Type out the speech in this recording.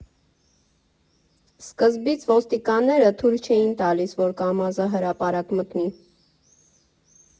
Սկզբից ոստիկանները թույլ չէին տալիս, որ Կամազը հրապարակ մտնի։